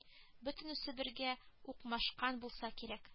Бөтенесе бергә укмашкан булса кирәк